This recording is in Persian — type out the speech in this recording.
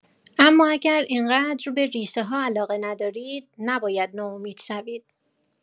اما اگر اینقدر به ریشه‌ها علاقه ندارید، نباید ناامید شوید.